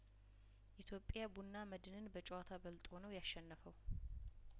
ኢትዮጵያ ቡና መድንን በጨዋታ በልጦ ነው ያሸነፈው